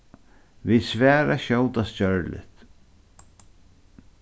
vit svara skjótast gjørligt